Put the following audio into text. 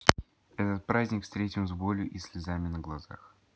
этот праздник встретим с болью и слезами на глазах